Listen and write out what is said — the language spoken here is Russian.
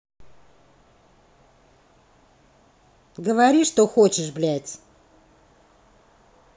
говори что хочешь блять